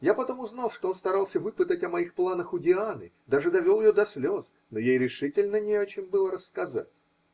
Я потом узнал, что он старался выпытать о моих планах у Дианы, даже довел ее до слез, но ей решительно не о чем было рассказывать.